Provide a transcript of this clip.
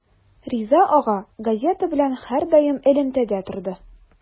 Риза ага газета белән һәрдаим элемтәдә торды.